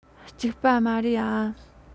ཅིག པ མ རེད ཨ